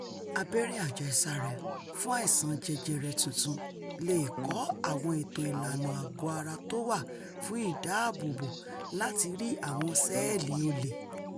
Abẹ́rẹ́ àjẹsára fún àìsàn jẹjẹrẹ tuntun leè kọ́ àwọn ètò ìlànà àgọ́-ara tówà fún ìdáààbòbò láti 'ri' àwọn ṣẹ̵́ẹ̀lì olè.